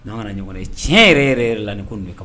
Non an ka nana ɲɔgɔn nɛgɛn tiɲɛ yɛrɛ yɛrɛ la ni ko ninnu ka ba